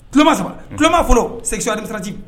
Kuloma saba kuma fɔlɔ seg siran ci